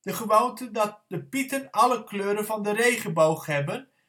gewoonte dat de Pieten alle kleuren van de regenboog hebben